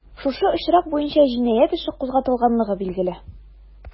Шушы очрак буенча җинаять эше кузгатылганлыгы билгеле.